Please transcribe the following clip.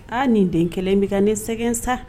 An nin den kelen bɛ ka ne sɛgɛn sa